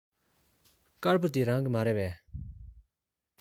དཀར པོ འདི རང གི མ རེད པས